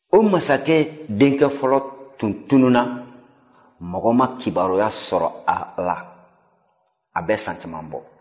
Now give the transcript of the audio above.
o masakɛ denkɛ fɔlɔ tun tununna mɔgɔ ma kibaruya sɔrɔ a la a bɛ san caman bɔ